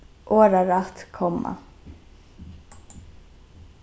orðarætt komma